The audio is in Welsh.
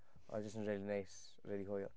Oedd e jyst yn rili neis, rili hwyl.